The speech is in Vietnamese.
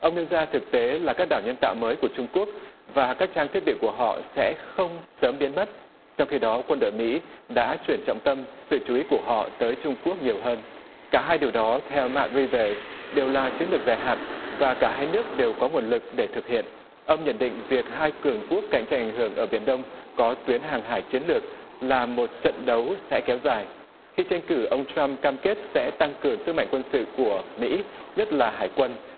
ông nêu ra thực tế là các đảo nhân tạo mới của trung quốc và các trang thiết bị của họ sẽ không sớm biến mất trong khi đó quân đội mỹ đã chuyển trọng tâm sự chú ý của họ tới trung quốc nhiều hơn cả hai điều đó theo mạng viu tờ đều là chiến lược dài hạn và cả hai nước đều có nguồn lực để thực hiện ông nhận định việc hai cường quốc cạnh tranh ảnh hưởng ở biển đông có tuyến hàng hải chiến lược là một trận đấu sẽ kéo dài khi tranh cử ông trăm cam kết sẽ tăng cường sức mạnh quân sự của mỹ nhất là hải quân